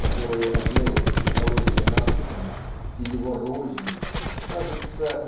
в которую оделась психология Надсона и его ровни кажется